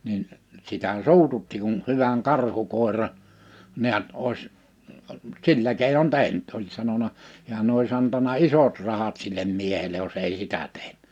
niin sitä suututti kun hyvän karhukoiran näet olisi sillä keinon tehnyt oli sanonut hän olisi antanut isot rahat sille miehelle jos ei sitä tehnyt